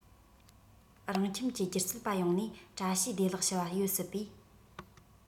རང ཁྱིམ གྱི སྒྱུ རྩལ པ ཡོང ནས བཀྲ ཤིས བདེ ལེགས ཞུ བ ཡོད སྲིད པས